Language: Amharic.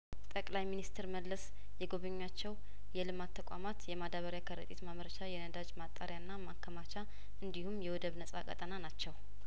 ጠቅላይ ሚኒስትር መለስ የጐበኟቸው የልማት ተቋማት የማዳበሪያ ከረጢት ማምረቻ የነዳጅ ማጣሪያና ማከማቻ እንዲሁም የወደብ ነጻ ቀጣና ናቸው